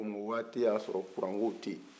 o waati ya sɔrɔ kuran kow tɛ yen